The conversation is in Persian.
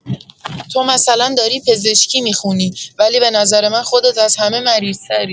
تو مثلا داری پزشکی می‌خونی، ولی به نظر من خودت از همه مریض‌تری.